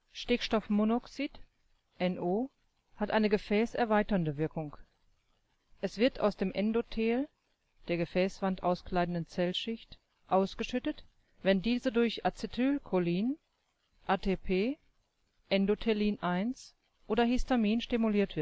Stickstoffmonoxid (NO) hat eine gefäßerweiternde Wirkung. Es wird aus dem Endothel (der Gefäßwand auskleidenden Zellschicht) ausgeschüttet, wenn diese durch Acetylcholin, ATP, Endothelin-1 oder Histamin stimuliert